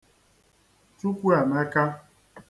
Chukwuemēkā